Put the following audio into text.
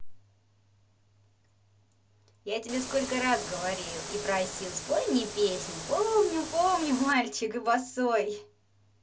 я тебе сколько раз говорил и просил спой мне песню помню помню мальчик и босой